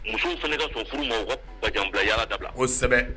Musow fana ka so furu mɔgɔ ka jan bila yaa dabila ko kosɛbɛ